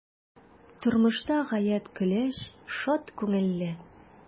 Тормышта гаять көләч, шат күңелле.